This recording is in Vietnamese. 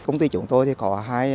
công ty chúng tôi có hai